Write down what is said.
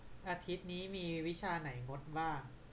อาทิตย์นี้มีวิชาไหนงดบ้าง